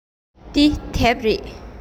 འདི དེབ རེད